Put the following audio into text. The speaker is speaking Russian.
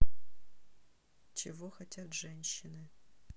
чего хотят женщины